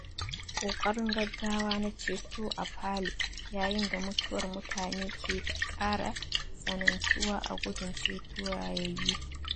Ƙoƙarin gaggawa na ceto a Palu yayin da mutuwar mutane ke kara tsanantuwa a gudun ceto rayayyu